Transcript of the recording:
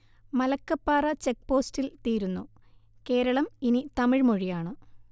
മലക്കപ്പാറ ചെക്പോസ്റ്റിൽ തീരുന്നു, കേരളം ഇനി തമിഴ്മൊഴിയാണ്